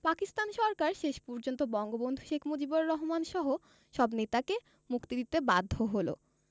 পাকিস্তান সরকার শেষ পর্যন্ত বঙ্গবন্ধু শেখ মুজিবর রহমান সহ সব নেতাকে মুক্তি দিতে বাধ্য হলো